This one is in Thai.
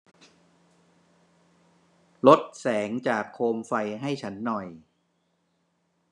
ลดแสงจากโคมไฟให้ฉันหน่อย